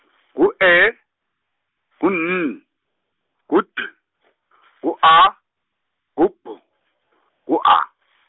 ngu E, ngu N, ngu D, ngu A, ngu B, ngu A .